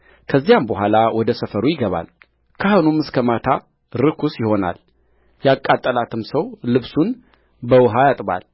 ከዚያም በኋላ ወደ ሰፈሩ ይገባል ካህኑም እስከ ማታ ርኩስ ይሆናልያቃጠላትም ሰው ልብሱን በውኃ ያጥባል